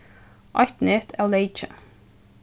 eitt net av leyki